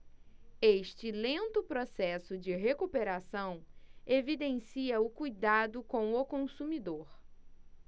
este lento processo de recuperação evidencia o cuidado com o consumidor